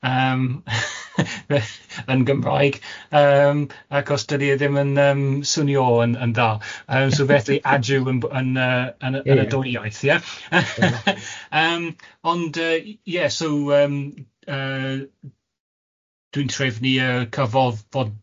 Yym yn Gymraeg yym ac os dan ni ddim yn yym swnio yn yn dda, yym so beth i adew yn b- yn yy yn y yn y dwy iaith ie yym ond yy ie so yym yy dwi'n trefnu y cyfoddfod-.